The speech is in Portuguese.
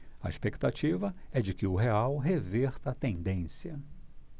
a expectativa é de que o real reverta a tendência